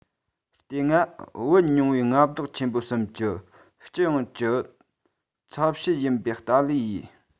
དེ སྔ བོད རྙིང བའི མངའ བདག ཆེན པོ གསུམ གྱི སྤྱི ཡོངས ཀྱི ཚབ བྱེད ཡིན པའི ཏཱ ལའི ཡིས